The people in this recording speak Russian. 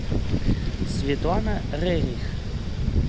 светлана рерих